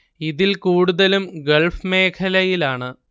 ഇതില് കൂടുതലും ഗള്‍ഫ് മേഖലയില്‍ ആണ്